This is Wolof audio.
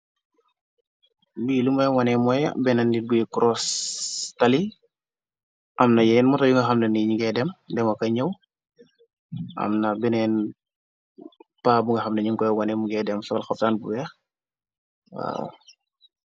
bii lu may wane moy benn nit buy krostali amna yeen mota yu nga xamna ni ngay dem demo ka ñëw amna beneen paa bu nga xamnañu koy wane mungae dem sool xafdaan bu weex.